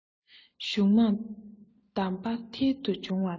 གཞུང མང གདམས པ མཐིལ དུ ཕྱུང བ འདྲ